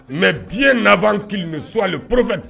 Mɛ diɲɛ na kelen bɛ so aleoro